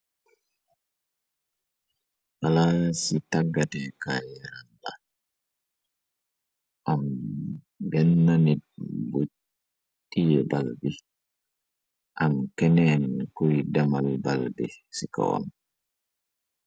Lala ci taggate kanyeran ba am benn nit bu tiye bal bi am keneen kuy demal bal bi ci kawam.